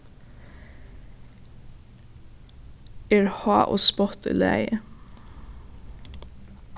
er háð og spott í lagi